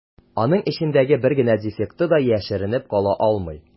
Аның эчендәге бер генә дефекты да яшеренеп кала алмый.